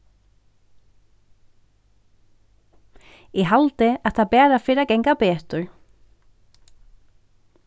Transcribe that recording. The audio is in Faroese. eg haldi at tað bara fer at ganga betur